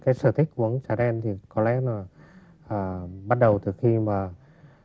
cái sở thích uống trà đen thì có lẽ là à bắt đầu từ khi mà